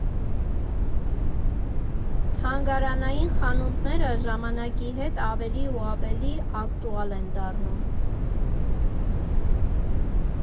Թանգարանային խանութները ժամանակի հետ ավելի ու ավելի ակտուալ են դառնում։